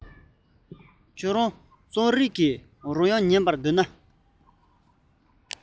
ཁྱོད རང རྩོམ རིག གི རོལ དབྱངས ཉན པར འདོད ན